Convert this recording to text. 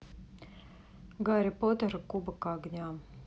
гарри поттер и кубок огня